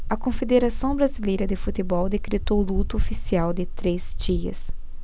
a confederação brasileira de futebol decretou luto oficial de três dias